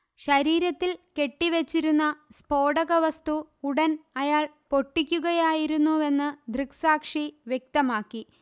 ശരീരത്തിൽ കെട്ടി വെച്ചിരുന്ന സ്ഫോടക വസ്തു ഉടൻ അയാൾ പൊട്ടിക്കുകയായിരുന്നുവെന്ന് ദൃക്സാക്ഷി വ്യക്തമാക്കി